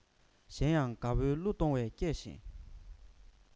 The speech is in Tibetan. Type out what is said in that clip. གཞན ཡང དགའ པོའི གླུ གཏོང བའི སྐད ཤེད